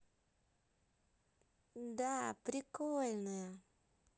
да прикольные